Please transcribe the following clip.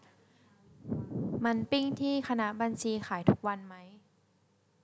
มันปิ้งที่คณะบัญชีขายทุกวันไหม